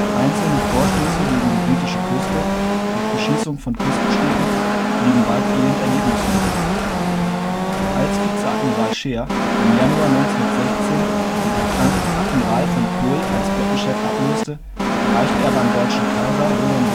Einzelne Vorstöße gegen die britische Küste durch Beschießung von Küstenstädten blieben weitgehend ergebnislos. Als Vizeadmiral Scheer im Januar 1916 den erkrankten Admiral von Pohl als Flottenchef ablöste, erreichte er beim deutschen Kaiser Wilhelm